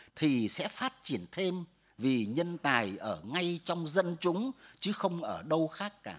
thì sẽ phát triển thêm vì nhân tài ở ngay trong dân chúng chứ không ở đâu khác cả